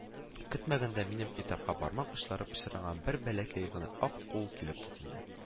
Көтмәгәндә минем китапка бармак очлары пычранган бер бәләкәй генә ак кул килеп тотынды